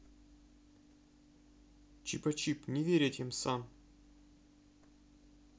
chipachip не верь этим сам